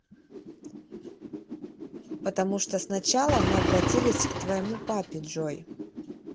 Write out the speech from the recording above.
потому что сначала мы обратились к твоему папе джой